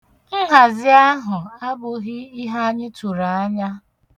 Nhazi ahụ abụghị ihe anya tụrụ anya.